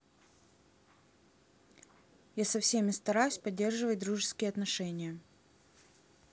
я со всеми стараюсь поддерживать дружеские отношения